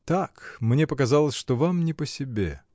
-- Так, мне показалось, что вам не по себе.